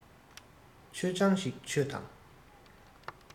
མཆོད ཆང ཞིག མཆོད དང